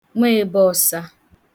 nwebe ọsa